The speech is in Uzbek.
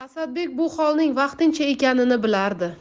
asadbek bu holning vaqtincha ekanini bilardi